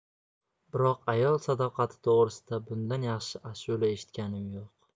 biroq ayol sadoqati to'g'risida bundan yaxshi ashula eshitganim yo'q